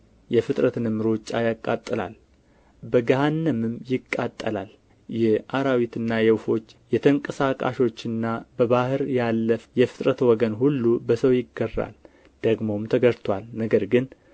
የፍጥረትንም ሩጫ ያቃጥላል በገሃነምም ይቃጠላል የአራዊትና የወፎች የተንቀሳቃሾችና በባሕር ያለ የፍጥረት ወገን ሁሉ በሰው ይገራል ደግሞ ተገርቶአል ነገር ግን